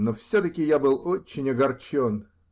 Но все-таки я был очень огорчен.